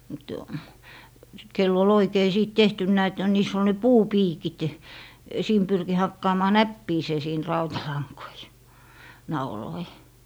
mutta kenellä oli oikein sitten tehtynä että niissä oli ne puupiikit siinä pyrki hakkaamaan näppiinsä siinä rautalankoja nauloja